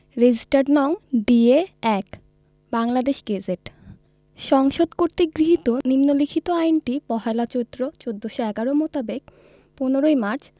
registered নং D A ১ Bangladesh gazette সংসদ কর্তৃক গৃহীত নিম্নলিখিত আইনটি ১লা চৈত্র ১৪১১ মোতাবেক ১৫ই মার্চ